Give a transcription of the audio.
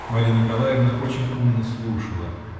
Марья Николаевна очень умно слушала